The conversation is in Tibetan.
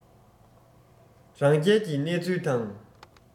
རང རྒྱལ གྱི གནས ཚུལ དང